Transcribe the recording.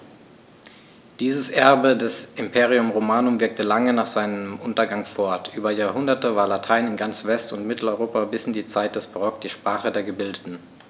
Dieses Erbe des Imperium Romanum wirkte lange nach seinem Untergang fort: Über Jahrhunderte war Latein in ganz West- und Mitteleuropa bis in die Zeit des Barock die Sprache der Gebildeten.